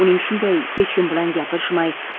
uning shunday hech kim bilan gapirishmay